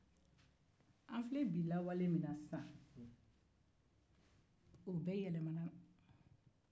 an filɛ bi tile min na o bɛɛ yɛlɛmana